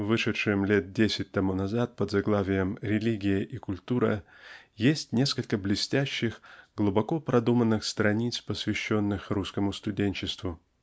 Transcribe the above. вышедшем лет десять тому назад под заглавием "Религия и культура" есть несколько блестящих глубоко продуманных страниц посвященных русскому студенчеству.